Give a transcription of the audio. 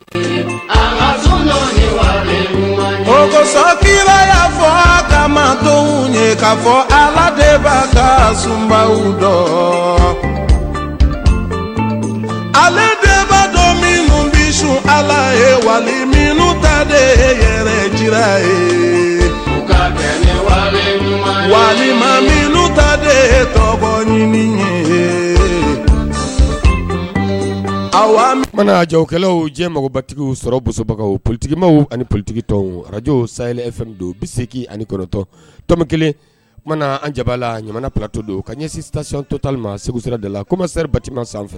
Goba la fɔ ka mato ye k'a fɔ alaba ka sunbaw dɔn aleba don min bɛ sun a wali minnu ta yɛrɛji ye wali minnu ta den ɲini ye aw mana jakɛlaw jɛ magobatigiw sɔrɔbagaw politigibaww ani politigitɔn arajow saf don bɛ segin ani kɔrɔtɔn to kelen mana an jaba la jamana parato don ka ɲɛ sic toli ma segu sirada la ko ma seri batima sanfɛ